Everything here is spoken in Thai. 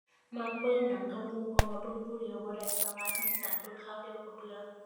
มักเบิ่งหนังกับหมู่ เพราะว่าเบิ่งผู้เดียวบ่ได้สมาธิสั้น เบิ่งคราวเดียวก็เบื่อ